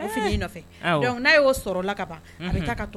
Ɛɛ be segin i nɔfɛ awɔ donc n'a y'o sɔrɔla kaban unhun a be taa ka tɔ